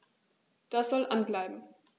Das soll an bleiben.